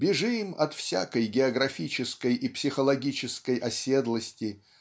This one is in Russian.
бежим от всякой географической и психологической оседлости